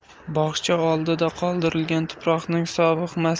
bog'cha oldida qoldirilgan tuproqning sobiq